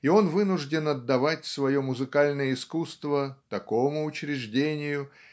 и он вынужден отдавать свое музыкальное искусство такому учреждению